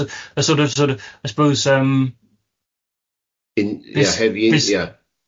A so- of sor' of, I suppose yym... In- ia heavy ind- ia